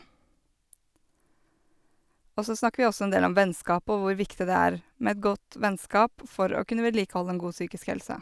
Og så snakker vi også en del om vennskap og hvor viktig det er med et godt vennskap for å kunne vedlikeholde en god psykisk helse.